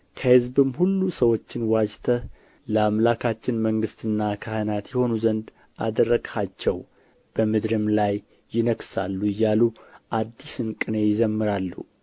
ከሕዝብም ሁሉ ሰዎችን ዋጅተህ ለአምላካችን መንግሥትና ካህናት ይሆኑ ዘንድ አደረግሃቸው በምድርም ላይ ይነግሣሉ እያሉ አዲስን ቅኔ ይዘምራሉ